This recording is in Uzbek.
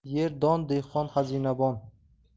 yer don dehqon xazinabon